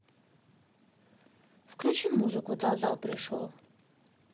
включи музыку дал дал пришел